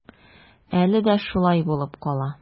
Әле дә шулай булып кала.